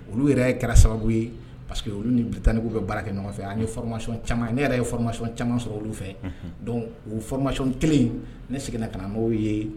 Olu yɛrɛ kɛra sababu ye parceque olu ni Britanniques bi baara kɛ ɲɔgɔn fɛ . An ni maa caman yɛrɛ ye formation caman sɔrɔ olu fɛ . donc o formation kelen in ne seginna ka na no ye.